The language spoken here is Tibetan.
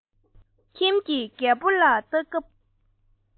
ཁྱིམ གྱི རྒད པོ ལ ལྟ སྐབས